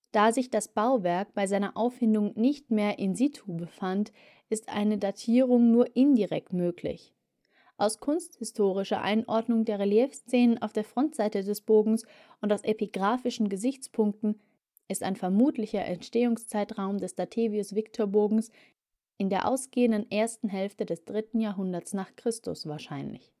Da sich das Bauwerk bei seiner Auffindung nicht mehr in situ befand, ist eine Datierung nur indirekt möglich. Aus kunsthistorischer Einordnung der Reliefszenen auf der Frontseite des Bogens und aus epigraphischen Gesichtspunkten ist ein vermutlicher Entstehungszeitraum des Dativius-Victor-Bogens in der ausgehenden ersten Hälfte des 3. Jahrhunderts n. Chr. wahrscheinlich